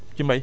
ci mbay